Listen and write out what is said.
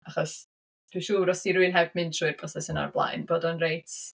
Achos dwi'n siŵr os 'di rywun heb mynd trwy'r broses yna ar blaen, bod o'n reit...